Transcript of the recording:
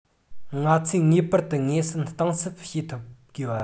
ང ཚོས ངེས པར དུ ངོས འཛིན གཏིང ཟབ བྱེད ཐུབ དགོས བ